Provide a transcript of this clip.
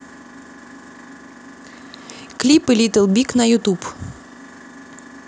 клипы литл биг на ютуб